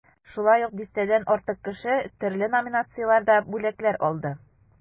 Шулай ук дистәдән артык кеше төрле номинацияләрдә бүләкләр алды.